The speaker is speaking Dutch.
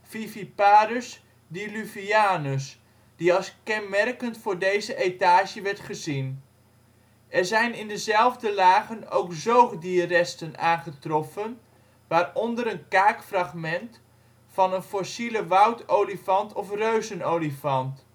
Viviparus diluvianus die als kenmerkend voor deze etage werd gezien. Er zijn in dezelfde lagen ook zoogdierresten aangetroffen waaronder een kaakfragment van een fossiele woudolifant of reuzenolifant